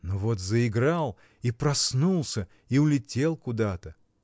Но вот заиграл — и проснулся, и улетел куда-то.